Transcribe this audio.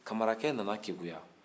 kamarakɛ nana kegunya